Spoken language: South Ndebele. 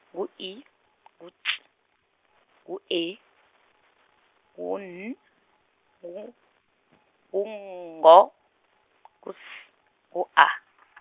ngu I, ngu T, ngu E, ngu N, ngu, ngu G, ngu S, ngu A .